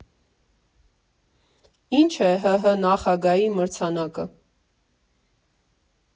Ինչ է ՀՀ նախագահի մրցանակը։